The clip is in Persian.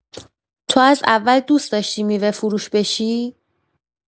تو از اول دوست داشتی میوه‌فروش بشی؟